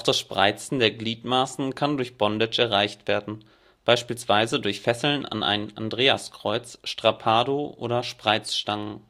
das Spreizen der Gliedmaßen kann durch Bondage erreicht werden, beispielsweise durch Fesseln an ein Andreaskreuz, Strappado oder Spreizstangen.